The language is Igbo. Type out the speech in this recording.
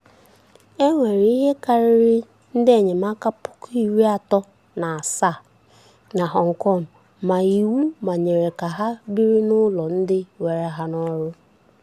E nwere ihe karịrị ndị enyemaka 370,000 na Hong Kong ma iwu manyere ka ha biri n'ụlọ ndị were ha n'ọrụ